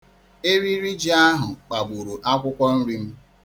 Eriri ji ahụ kpagburu akwụkwọ nri m.